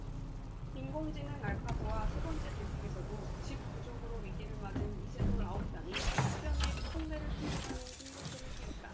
인공지능 알파고와 세 번째 대국에서도 집 부족으로 위기를 맞은 이세돌 아홉 단이 하변에 특공대를 투입하는 승부수를 띄웠다